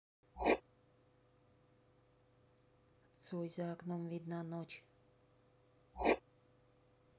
цой за окном видна ночь